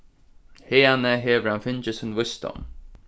haðani hevur hann fingið sín vísdóm